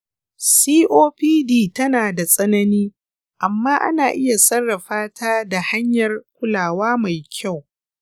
copd tana da tsanani, amma ana iya sarrafa ta da hanyar kulawa mai kyau.